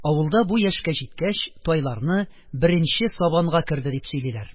Авылда бу яшькә җиткәч, тайларны "беренче сабанга керде" дип сөйлиләр.